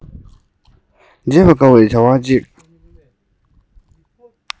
བརྗེད པར དཀའ བའི བྱ བ གཅིག